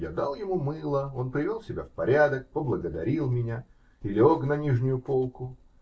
Я дал ему мыло, он привел себя в порядок, поблагодарил меня и лег на нижнюю полку